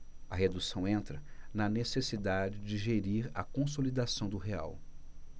a redução entra na necessidade de gerir a consolidação do real